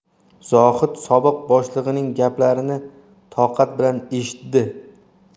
zohid sobiq boshlig'ining gaplarini toqat bilan eshitdi